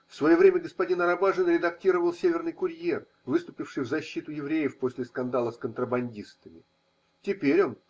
В свое время господин Арабажин редактировал Северный Курьер, выступивший в защиту евреев после скандала с Контрабандистами. Теперь он.